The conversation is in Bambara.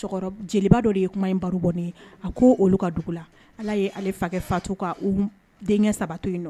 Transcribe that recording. Cɛkɔrɔ jeliba dɔ de ye kuma in baro bɔn ne ye, a ko olu ka dugu la, Ala ye ale fakɛ faatu ka u denkɛ saba to yen nɔ